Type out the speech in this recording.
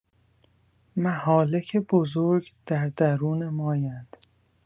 مهالک بزرگ در درون مایند.